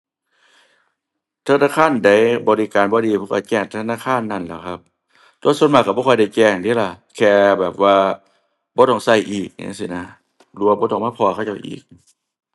ธนาคารใดบริการบ่ดีผมก็แจ้งธนาคารนั้นแหล้วครับ แต่ส่วนมากก็บ่ค่อยได้แจ้งเดะล่ะ แค่แบบว่าบ่ต้องก็อีกอิหยังจั่งซี้นะ หรือว่าบ่ต้องมาพ้อเขาเจ้าอีก